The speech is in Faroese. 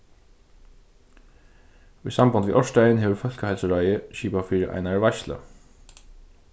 í sambandi við ársdagin hevur fólkaheilsuráðið skipað fyri einari veitslu